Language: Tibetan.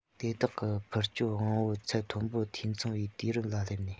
དེ དག གི འཕུར སྐྱོད དབང པོ ཚད མཐོན པོར འཐུས ཚང བའི དུས རིམ ལ སླེབས ནས